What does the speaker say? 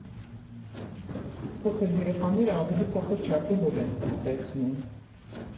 Փոքր երեխաները ավելի փոքր չափի հոլ են պտտեցնում։